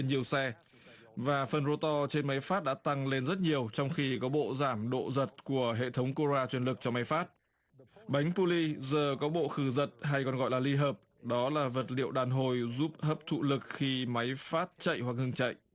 nhiều xe và phần rô to trên máy phát đã tăng lên rất nhiều trong khi có bộ giảm độ giật của hệ thống cô ra chuyền lực cho máy phát bánh pô li giờ có bộ khử giận hay còn gọi là ly hợp đó là vật liệu đàn hồi giúp hấp thụ lực khi máy phát chạy hoặc ngưng chạy